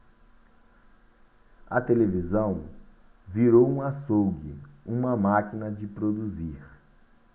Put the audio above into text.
a televisão virou um açougue uma máquina de produzir